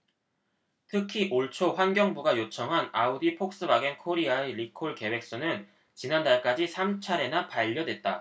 특히 올초 환경부가 요청한 아우디폭스바겐코리아의 리콜 계획서는 지난달까지 삼 차례나 반려됐다